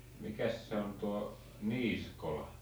mikäs se on tuo niisikola